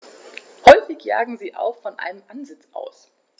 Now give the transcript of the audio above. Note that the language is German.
Häufig jagen sie auch von einem Ansitz aus.